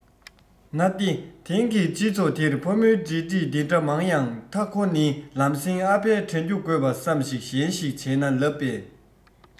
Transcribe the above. ན ཏེ དེང གི སྤྱི ཚོགས དེར ཕོ མོའི འབྲེལ འདྲིས འདི འདྲ མང ཡང མཐའ ཁོ ནི ལམ སེང ཨ ཕའི དྲན རྒྱུ དགོས པ བསམ གཞིག གཞན ཞིག བྱས ན ལབ པས